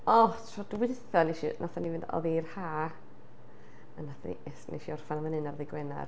O, tro dwytha wnes i... wnaethon ni fynd... oedd hi'r haf, a wnaethon ni... es... wnes i orffen yn fan hyn ar ddydd Gwener.